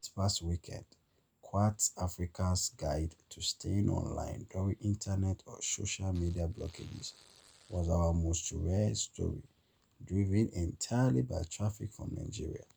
This past weekend, Quartz Africa’s guide to staying online during internet or social media blockages was our most read story, driven entirely by traffic from Nigeria.